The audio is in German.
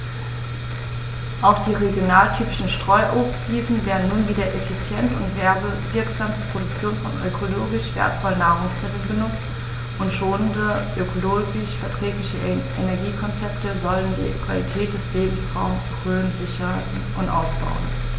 Auch die regionaltypischen Streuobstwiesen werden nun wieder effizient und werbewirksam zur Produktion von ökologisch wertvollen Nahrungsmitteln genutzt, und schonende, ökologisch verträgliche Energiekonzepte sollen die Qualität des Lebensraumes Rhön sichern und ausbauen.